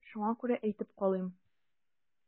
Шуңа күрә әйтеп калыйм.